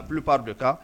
Plupart de cas